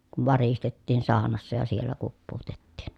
kun varistettiin saunassa ja siellä kuppuutettiin